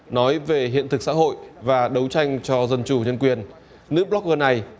nói về hiện thực xã hội và đấu tranh cho dân chủ nhân quyền nữ bốc gơ này